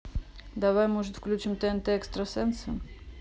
давай может включим тнт экстрасенсы